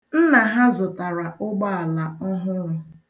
Nna ha zụtara ụgbọala ọhụrụ.